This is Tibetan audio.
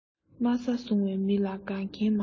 དམའ ས བཟུང བའི མི ལ དགའ མཁན མང